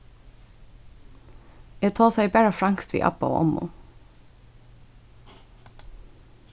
eg tosaði bara franskt við abba og ommu